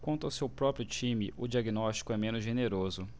quanto ao seu próprio time o diagnóstico é menos generoso